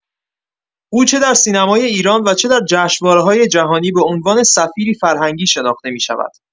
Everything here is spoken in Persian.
او چه در سینمای ایران و چه در جشنواره‌های جهانی به عنوان سفیری فرهنگی شناخته می‌شود.